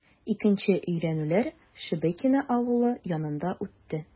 Икенче өйрәнүләр Шебекиио авылы янында үтте.